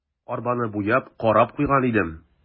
Арбаны буяп, карап куйган идем.